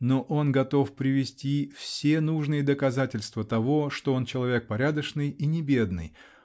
но он готов привести все нужные доказательства того, что он человек порядочный и не бедный